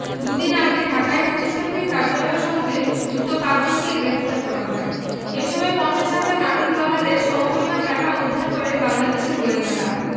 দুদিন আগে ঢাকায় প্রতিষ্ঠানটির কার্যালয়ের সঙ্গে যুক্ত পাঁচজনকে গ্রেপ্তার করা হয় এ সময় ৫০ হাজার মার্কিন ডলারের সমপরিমাণ টাকা উদ্ধার করে বাংলাদেশের গোয়েন্দারা